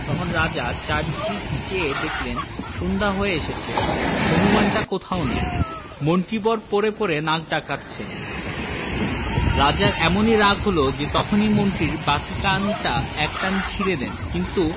তখন রাজা চারদিক চেয়ে দেখলেন সন্ধ্যা হয়ে এসেছে হুনুমানটা কোথাও নেই মন্ত্রীবর পড়ে পড়ে নাক ডাকাচ্ছেন রাজার এমনি রাগ হল যে তখনি মন্ত্রীর বাকি কানটা এক টানে ছিড়ে দেন কিন্তু